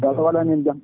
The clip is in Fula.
yo Allah waɗan en jaam